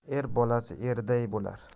er bolasi erday bo'lar